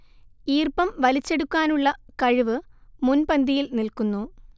ഈർപ്പം വലിച്ചെടുക്കാനുളള കഴിവ് മുൻപന്തിയിൽ നിൽക്കുന്നു